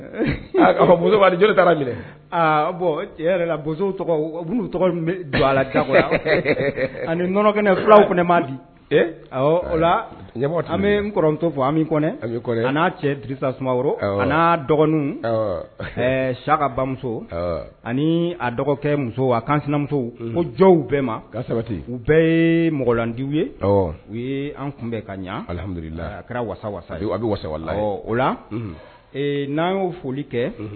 Bo bɔn don la aniɔnɔ filaw ma di o la antɔ fɔ an n'a cɛsa sumaworo kana dɔgɔnin saka bamuso ani a dɔgɔkɛ muso kan sinamuso ko jɔnw bɛɛ ma ka sabati u bɛɛ ye mɔgɔlandi ye u ye an tun bɛn ka ɲɛhalila a kɛra wasa a bɛ wasa o la n'an y'o foli kɛ